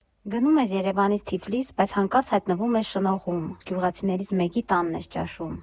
Գնում ես Երևանից Թիֆլիս, բայց հանկարծ հայտնվում ես Շնողում՝ գյուղացիներից մեկի տանն ես ճաշում։